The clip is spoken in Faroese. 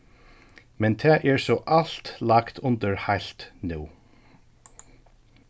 men tað er so alt lagt undir heilt nú